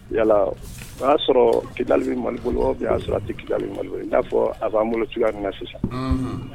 Yala o y'a sɔrɔ kidali malibolo y'a sɔrɔ a tɛ kida malo i n'a fɔ a' an bolo cogoya min na sisan